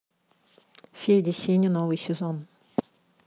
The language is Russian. федя сеня новый сезон